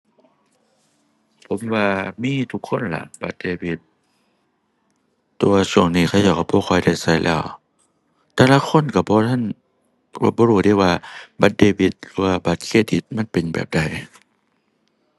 ผมว่ามีทุกคนล่ะบัตรเดบิต แต่ว่าช่วงนี้เขาเจ้าก็บ่ค่อยได้ก็แล้ว แต่ลางคนก็บ่ทัน บ่ บ่รู้เดะว่าบัตรเดบิตหรือว่าบัตรเครดิตมันเป็นแบบใด